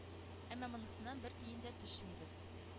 Әмма монысыннан бер тиен дә төшмибез”,